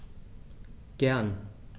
Gern.